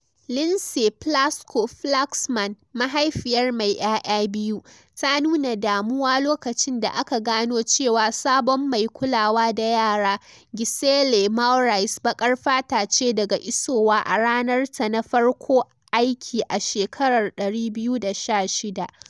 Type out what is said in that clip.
Lynsey Plasco-Flaxman, mahaifiyar mai yaya biyu, ta nuna damuwa lokacin da aka gano cewa sabon mai kulawa da yara, Giselle Maurice, baƙar fata ce daga isowa a ranar ta na farkon aiki a shekarar 2016.